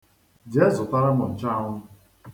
Jee zụtara m nchụanwụ.